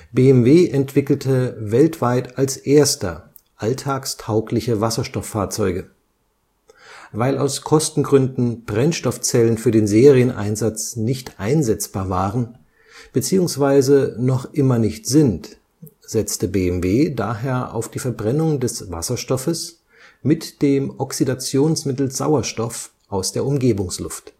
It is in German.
BMW entwickelte weltweit als Erster alltagtaugliche Wasserstoff-Fahrzeuge. Weil aus Kostengründen Brennstoffzellen für den Serieneinsatz nicht einsetzbar waren, beziehungsweise noch immer nicht sind, setzte BMW daher auf die Verbrennung des Wasserstoffes (H2) mit dem Oxidationsmittel Sauerstoff (O2) aus der Umgebungsluft